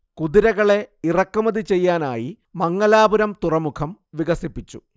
കുതിരകളെ ഇറക്കുമതി ചെയ്യാനായി മംഗലാപുരം തുറമുഖം വികസിപ്പിച്ചു